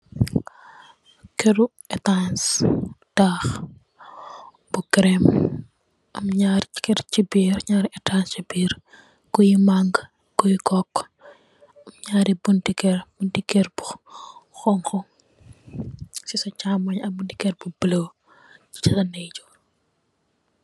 Kerrum etass taah bu crem am nyari kerr se birr am nyari etass che birr goyu magou goyu koku am nyari bunte kerr bunte kerr bu xonxo sesa chamung am bunte kerr bu bulo sesa ndeyjorr.